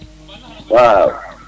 waaw